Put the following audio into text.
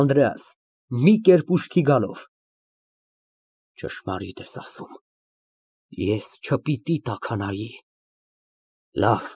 ԱՆԴՐԵԱՍ ֊ (Մի կերպ ուշքի գալով) Ճշմարիտ ես ասում, ես չպիտի տաքանայի։